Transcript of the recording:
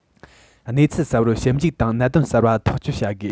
གནས ཚུལ གསར པར ཞིབ འཇུག དང གནད དོན གསར པ ཐག གཅོད བྱ དགོས